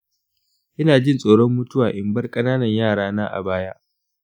ina jin tsoron mutuwa in bar ƙananan yarana a baya.